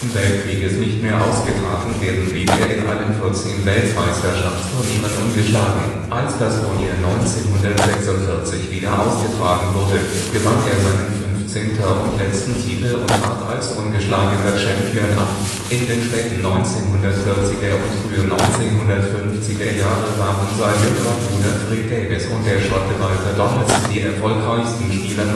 Weltkrieges nicht mehr ausgetragen werden – blieb er in allen 14 Weltmeisterschaftsturnieren ungeschlagen. Als das Turnier 1946 wieder ausgetragen wurde, gewann er seinen 15. und letzten Titel und trat als ungeschlagener Champion ab. In den späten 1940er - und frühen 1950er-Jahre waren sein jüngerer Bruder Fred Davis und der Schotte Walter Donaldson die erfolgreichsten Spieler